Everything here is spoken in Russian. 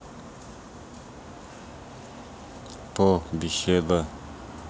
по беседа